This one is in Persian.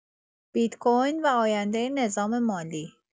بیت‌کوین و آینده نظام مالی